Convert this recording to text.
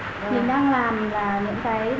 mình đang